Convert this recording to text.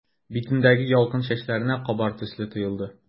Битендәге ялкын чәчләренә кабар төсле тоелды.